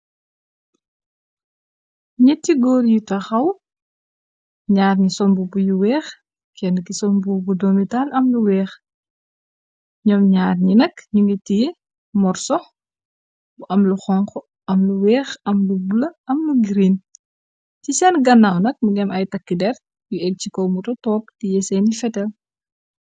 Netti góor yu taxaw, ñaari ni sol mbubu yu weex, kenn ki sol mbubu doomitaal am lu weex, ñoom ñaari ni nak ñu ngi tiye mor sox bu am lu xonxo am lu weex am lu bulo am lu green, ci seen ganaaw nak mu ngém ay takki der, yu eg ci ko moto toop di yeseeni fetal.